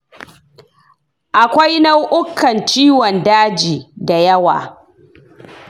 akwai nau'ukan ciwon daji dayawa.